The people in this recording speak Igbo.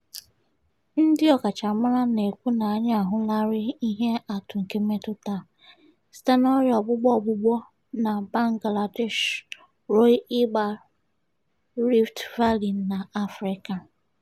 Ndị ọkachamara na-ekwu na anyị ahụlarị ihe atụ nke mmetụta a, site na ọrịa ọgbụgbọ ọgbụgbọ na Bangladesh ruo ịba Rift Valley na Afrịka.